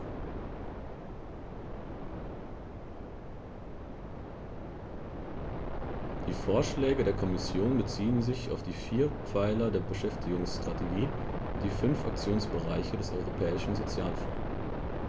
Die Vorschläge der Kommission beziehen sich auf die vier Pfeiler der Beschäftigungsstrategie und die fünf Aktionsbereiche des Europäischen Sozialfonds.